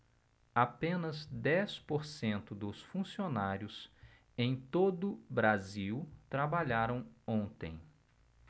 apenas dez por cento dos funcionários em todo brasil trabalharam ontem